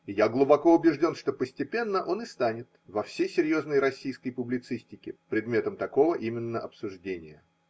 И я глубоко убежден, что постепенно он и станет во всей серьезной российской публицистике предметом такого именно обсуждения.